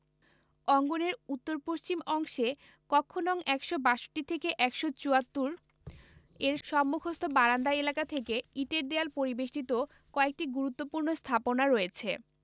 অঙ্গনের উত্তর পশ্চিম অংশে কক্ষ নং ১৬২ থেকে ১৭৪ এর সম্মুখস্থ বারান্দা এলাকা থেকে ইটের দেয়াল পরিবেষ্টিত কয়েকটি গুরুত্বপূর্ণ স্থাপনা রয়েছে